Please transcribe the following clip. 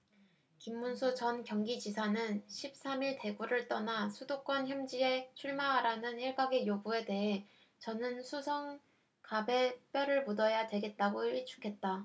김문수 전 경기지사는 십 삼 일 대구를 떠나 수도권 험지에 출마하라는 일각의 요구에 대해 저는 수성갑에 뼈를 묻어야 되겠다고 일축했다